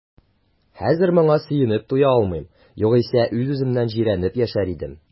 Хәзер моңа сөенеп туя алмыйм, югыйсә үз-үземнән җирәнеп яшәр идем.